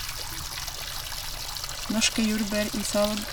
Norske jordbær i salg.